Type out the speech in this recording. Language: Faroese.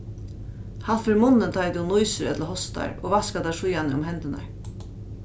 halt fyri munnin tá ið tú nýsur ella hostar og vaska tær síðani um hendurnar